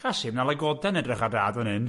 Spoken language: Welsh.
Chasi, ma na lygoden edrych ar dad fan hyn.